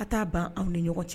Ka taa ban anw ni ɲɔgɔn cɛ